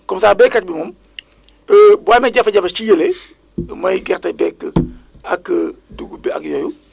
comme ça béykat bi moom bu amee jafe-jafe ci yële mooy gerte beeg ak dugub bi ak yooyu